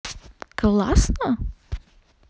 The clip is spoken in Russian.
классно